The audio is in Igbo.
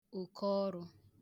òkòọrụ